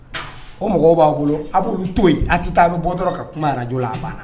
O mɔgɔw b'a bolo a b' bɛ to yen a tɛ taa a bɛ bɔ dɔrɔn ka kuma araj a banna